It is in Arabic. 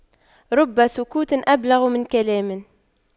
رب سكوت أبلغ من كلام